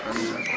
amiin amiin